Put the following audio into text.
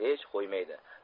hech qo'ymaydi